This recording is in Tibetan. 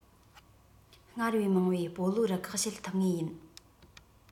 སྔར བས མང པའི སྤོ ལོ རུ ཁག བྱེད ཐུབ ངེས ཡིན